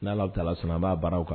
Ni Allahu taalaa sɔnna an b'a baaraw kan